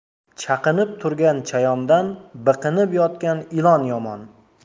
chaqinib turgan chayondan biqinib yotgan ilon yomon